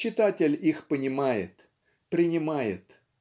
Читатель их понимает, принимает